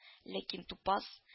Ләкин тупас